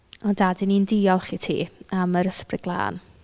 O Dad y' ni'n diolch i ti am yr Ysbryd Glân.